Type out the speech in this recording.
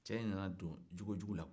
cɛ in nana don jogojugu la